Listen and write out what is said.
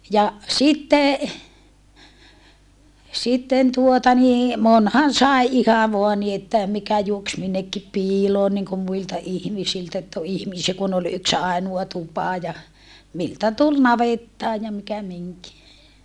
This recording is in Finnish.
ja sitten sitten tuota niin monihan sai ihan vain niin että mikä juoksi minnekin piiloon niin kuin muilta ihmisiltä että on ihmisiä kun oli yksi ainoa tupa ja miltä tuli navettaan ja mikä minkin